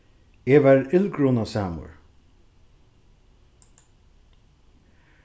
eg varð illgrunasamur